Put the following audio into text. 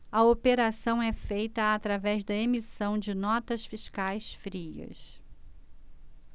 a operação é feita através da emissão de notas fiscais frias